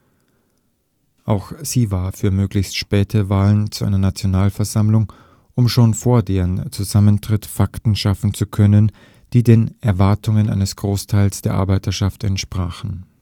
Auch sie war für möglichst späte Wahlen zu einer Nationalversammlung, um schon vor deren Zusammentritt Fakten schaffen zu können, die den Erwartungen eines Großteils der Arbeiterschaft entsprachen